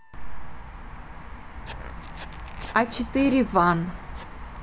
a4 ван